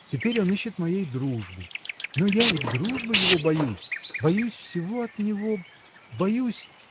Теперь он ищет моей дружбы, но я и дружбы его боюсь, боюсь всего от него, боюсь.